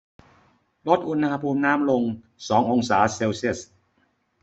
ลดอุณหภูมิน้ำลงสององศาเซลเซียส